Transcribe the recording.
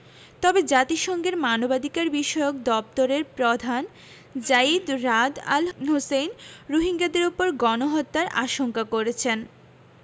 তবে জাতিসংঘের মানবাধিকারবিষয়ক দপ্তরের প্রধান যায়িদ রাদ আল হোসেইন রোহিঙ্গাদের ওপর গণহত্যার আশঙ্কা করেছেন